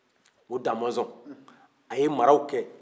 o da mɔzɔn a ye maraw kɛ